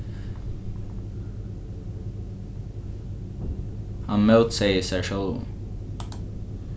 hann mótsegði sær sjálvum